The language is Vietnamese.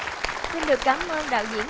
xin được cảm ơn đạo diễn